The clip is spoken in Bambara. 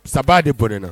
Sabaa de bɔnɛna